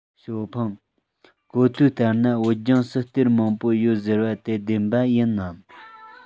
ཞའོ ཧྥུང གོ ཐོས ལྟར ན བོད ལྗོངས སུ གཏེར མང པོ ཡོད ཟེར བ དེ བདེན པ ཡིན ནམ